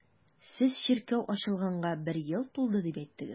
Сез чиркәү ачылганга бер ел тулды дип әйттегез.